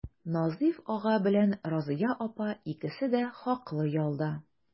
Назыйф ага белән Разыя апа икесе дә хаклы ялда.